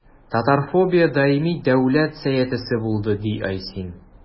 Татарофобия даими дәүләт сәясәте булды, – ди Айсин.